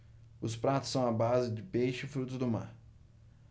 os pratos são à base de peixe e frutos do mar